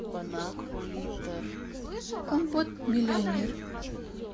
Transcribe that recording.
компот миллионер